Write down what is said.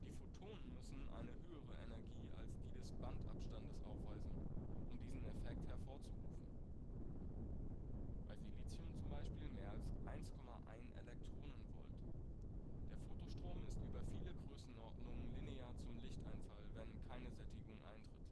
Photonen müssen eine höhere Energie als die des Bandabstandes aufweisen, um diesen Effekt hervorzurufen (bei Silizium z. B. mehr als 1,1 eV). Der Photostrom ist über viele Größenordnungen linear zum Lichteinfall, wenn keine Sättigung eintritt